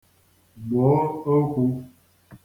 gbò okwū